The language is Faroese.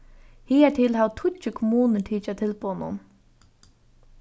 higartil hava tíggju kommunur tikið av tilboðnum